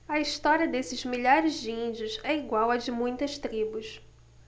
a história desses milhares de índios é igual à de muitas tribos